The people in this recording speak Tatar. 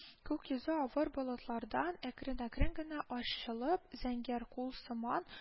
Күк йөзе, авыр болытлардан әкрен-әкрен генә ачылып, зәңгәр күл сыман